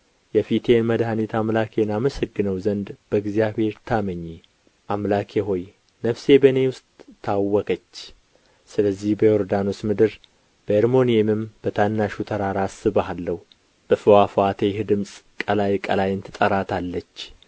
የፊቴን መድኃኒት አምላኬን አመሰግነው ዘንድ በእግዚአብሔር ታመኚ አምላኬ ሆይ ነፍሴ በእኔ ውስጥ ታወከች ስለዚህ በዮርዳኖስ ምድር በአርሞንኤምም በታናሹ ተራራ አስብሃለሁ በፍዋፍዋቴህ ድምፅ ቀላይ ቀላይን ትጠራታለች